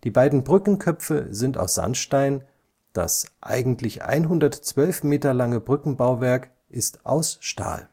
beiden Brückenköpfe sind aus Sandstein, das eigentliche 112 Meter lange Brückenbauwerk ist aus Stahl